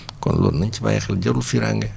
kon loolu nañ ci bàyyi xel jarul fiiraange